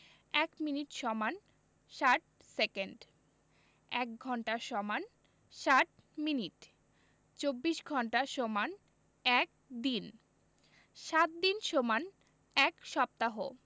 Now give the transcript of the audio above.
১ minute = ৬০ second ১ঘন্টা = ৬০ minute ২৪ ঘন্টা = ১ দিন ৭ দিন = ১ সপ্তাহ